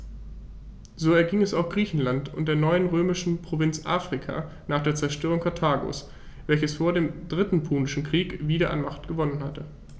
So erging es auch Griechenland und der neuen römischen Provinz Afrika nach der Zerstörung Karthagos, welches vor dem Dritten Punischen Krieg wieder an Macht gewonnen hatte.